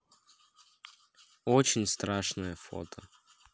очень страшное фото